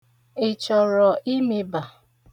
Ị chọrọ ịmịba?